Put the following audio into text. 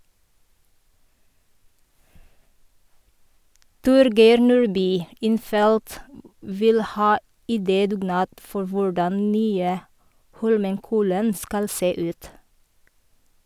Torgeir Nordby, innfelt, vil ha idédugnad for hvordan nye Holmenkollen skal se ut.